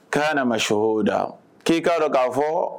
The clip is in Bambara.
K'a nana ma sh o da k'i k'a dɔn k'a fɔ